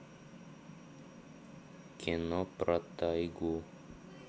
кино про тайгу